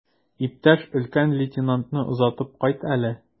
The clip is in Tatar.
Иптәш өлкән лейтенантны озатып кайт әле.